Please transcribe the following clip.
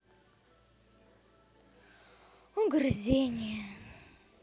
угрызение